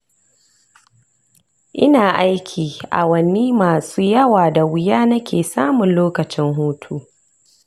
ina aiki awanni masu yawa da wuya nake samun lokacin hutu.